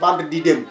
vendredi démb